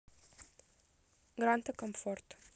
гранта комфорт